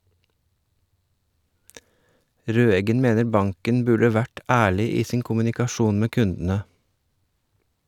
Røeggen mener banken burde vært ærlig i sin kommunikasjon med kundene.